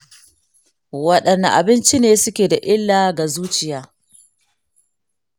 waɗanne abinci ne suke da illa ga zuciya?